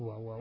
waaw waaw